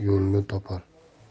yo'l yo'lni topar